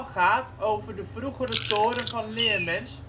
gaat over de vroegere toren van Leermens